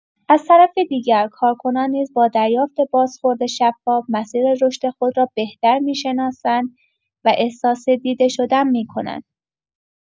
از طرف دیگر، کارکنان نیز با دریافت بازخورد شفاف، مسیر رشد خود را بهتر می‌شناسند و احساس دیده‌شدن می‌کنند.